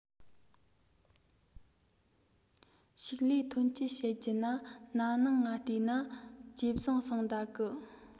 ཕྱུགས ལས ཐོན སྐྱེད བཤད རྒྱུ ན ན ནིང ང བལྟས ན ཇེ བཟང ང སོང ོད གི